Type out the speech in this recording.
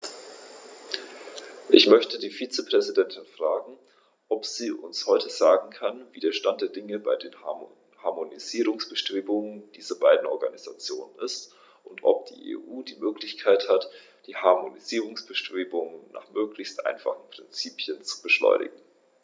Ich möchte die Vizepräsidentin fragen, ob sie uns heute sagen kann, wie der Stand der Dinge bei den Harmonisierungsbestrebungen dieser beiden Organisationen ist, und ob die EU die Möglichkeit hat, die Harmonisierungsbestrebungen nach möglichst einfachen Prinzipien zu beschleunigen.